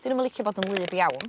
'Di nw'm yn licio bod yn wlyb iawn.